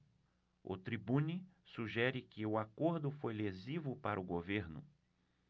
o tribune sugere que o acordo foi lesivo para o governo